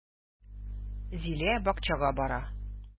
Зилә бакчага бара.